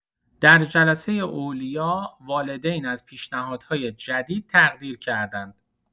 در جلسه اولیاء، والدین از پیشنهادهای جدید تقدیر کردند.